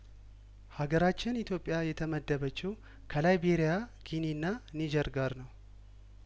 ሀገራችን ኢትዮጵያ የተመደበችው ከላይቤሪያ ጊኒና ኒጀር ጋር ነው